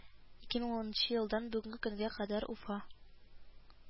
Ике мең унынчы елдан бүгенге көнгә кадәр уфа